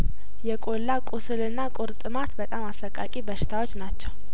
የቆላ ቁስልና ቁርጥማት በጣም አሰቃቂ በሽታዎች ናቸው